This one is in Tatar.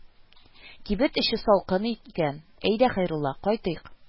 Кибет эче салкын икән, әйдә, Хәйрулла, кайтыйк,